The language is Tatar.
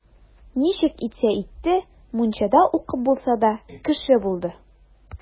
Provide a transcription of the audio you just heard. Ничек итсә итте, мунчада укып булса да, кеше булды.